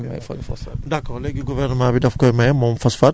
mais daal ñu jàpp ni moom gouvernement bi daf koy daf koy maye